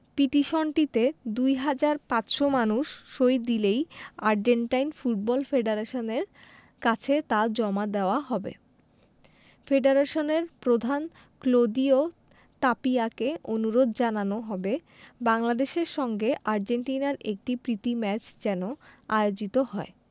পিটিশনটিতে ২ হাজার ৫০০ মানুষ সই দিলেই আর্জেন্টাইন ফুটবল ফেডারেশনের কাছে তা জমা দেওয়া হবে ফেডারেশনের প্রধান ক্লদিও তাপিয়াকে অনুরোধ জানানো হবে বাংলাদেশের সঙ্গে আর্জেন্টিনার একটি প্রীতি ম্যাচ যেন আয়োজিত হয়